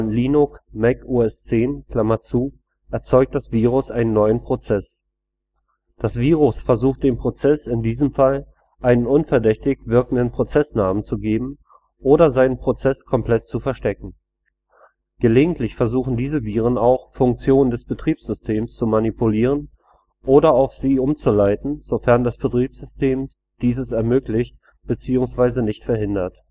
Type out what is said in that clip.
Linux, Mac OS X) erzeugt das Virus einen neuen Prozess. Das Virus versucht dem Prozess in diesem Fall einen unverdächtig wirkenden Prozessnamen zu geben oder seinen Prozess komplett zu verstecken. Gelegentlich versuchen diese Viren auch Funktionen des Betriebssystems zu manipulieren oder auf sich umzuleiten, sofern das Betriebssystem dieses ermöglicht bzw. nicht verhindert